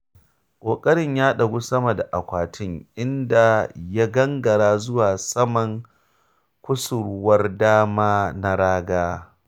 Ƙoƙarin ya ɗagu sama da akwatin inda ya gangara zuwa saman kusurwar dama na ragar.